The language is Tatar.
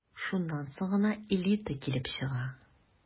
Шуннан соң гына «элита» килеп чыга...